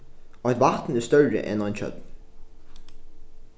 eitt vatn er størri enn ein tjørn